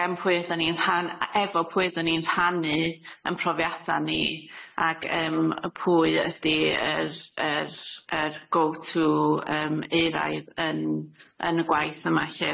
gen pwy ydan ni'n rhan- a- efo pwy ydan ni'n rhannu yn profiada ni ag yym y pwy ydi yr yr yr go to yym euraidd yn yn y gwaith yma lly,